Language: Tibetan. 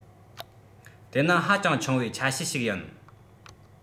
དེ ནི ཧ ཅང ཆུང བའི ཆ ཤས ཤིག ཡིན